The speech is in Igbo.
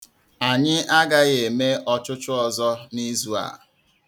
Anyị agaghị eme ọchụchụ ọzọ n'izu a.